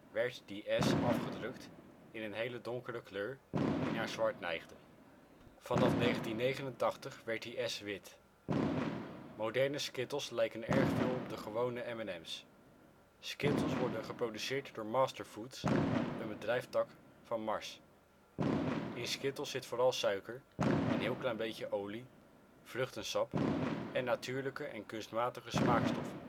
werd die " S " afgedrukt in een hele donkere kleur, die naar zwart neigde. Vanaf 1989 werd die " S " wit. Moderne Skittles lijken erg veel op de gewone M&M 's. Skittles worden geproduceerd door Masterfoods, een bedrijfstak van Mars. In Skittles zit vooral suiker, een heel klein beetje olie, vruchtensap en natuurlijke en kunstmatige smaakstoffen